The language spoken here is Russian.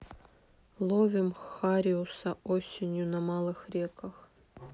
ловим хариуса осенью на малых реках